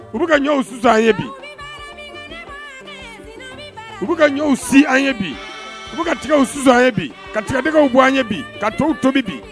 U bɛsan ye bi si an ye bi u sisansan ye bi ka tigatigɛ bɔ an ye bi ka to tobi bi